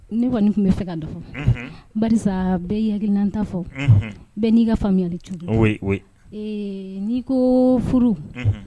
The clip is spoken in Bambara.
Ne kɔni tun bɛ fɛ ka dɔ ba bɛɛ yainata fɔ bɛɛ n'i ka faamuyayali cogo n'i ko furu